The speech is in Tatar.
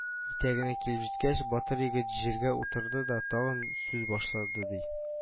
Итәгенә килеп җиткәч, батыр егет җиргә утырды да тагын сүз башлады, ди: